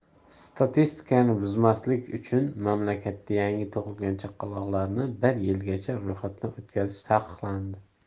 statistikani buzmaslik uchun mamlakatda yangi tug'ilgan chaqaloqlarni bir yilgacha ro'yxatdan o'tkazish taqiqlandi